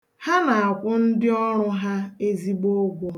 Ha na-akwụ ndịọrụ ha ezigbo ụgwọ